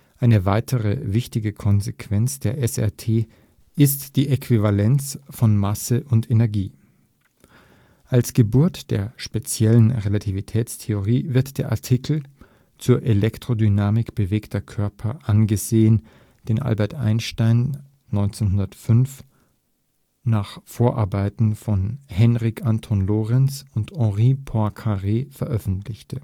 Eine weitere wichtige Konsequenz der SRT ist die Äquivalenz von Masse und Energie. Als Geburt der speziellen Relativitätstheorie wird der Artikel „ Zur Elektrodynamik bewegter Körper “angesehen, den Albert Einstein 1905 nach Vorarbeiten von Hendrik Antoon Lorentz und Henri Poincaré veröffentlichte